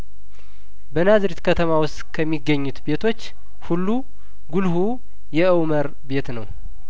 በናዝሪት ከተማ ውስጥ ከሚገኙት ቤቶች ሁሉ ጉልሁ የኡመር ቤት ነው